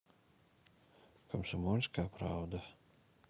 комсомольская правда